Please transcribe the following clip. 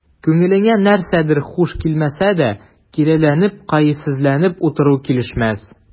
Күңелеңә нәрсәдер хуш килмәсә дә, киреләнеп, кәефсезләнеп утыру килешмәс.